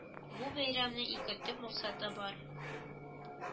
Бу бәйрәмнең ике төп максаты бар